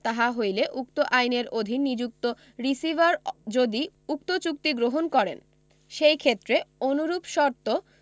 তাহা হইলে উক্ত আইনের অধীন নিযুক্ত রিসিভার যদি উক্ত চুক্তি গ্রহণ করেন সেইক্ষেত্রে অনুরূপ শর্ত